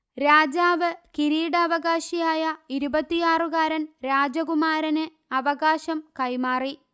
രാജാവ് കിരീടാവകാശിയായ ഇരുപത്തിയാറുകാരൻ രാജകുമാരന് അവകാശം കൈമാറി